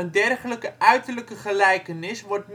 dergelijke uiterlijke gelijkenis wordt